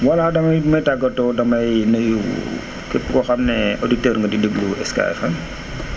voilà damay li may tàggatoo damay nuyu képp koo xam ne auditeur :gra di déglu SK FM